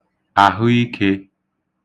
àhụikē